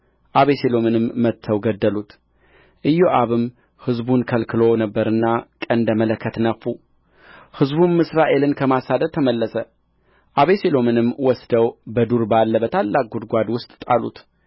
አቤሴሎምንም መትተው ገደሉት ኢዮአብም ሕዝቡን ከልክሎ ነበርና ቀንደ መለከት ነፋ ሕዝቡም እስራኤልን ከማሳደድ ተመለሰ አቤሴሎምንም ወስደው በዱር ባለ በታላቅ ጕድጓድ ውስጥ ጣሉት